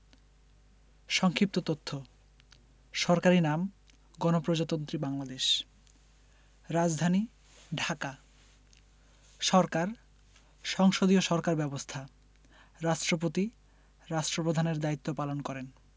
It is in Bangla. সংক্ষিপ্ত তথ্য সরকারি নামঃ গণপ্রজাতন্ত্রী বাংলাদেশ রাজধানীঃ ঢাকা সরকারঃ সংসদীয় সরকার ব্যবস্থা রাষ্ট্রপতি রাষ্ট্রপ্রধানের দায়িত্ব পালন করেন